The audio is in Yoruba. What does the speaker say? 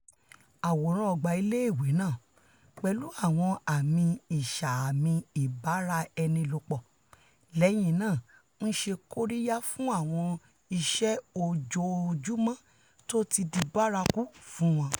Àwòrán ọgbà ilé ìwé náà, pẹ̀lú àwọn àmi ìṣàmì ìbáraẹniṣepọ̀, lẹ́yìn náà ńṣekóríyá fún àwọn ìṣe ojoójúmọ tótidibárakú fún wọn.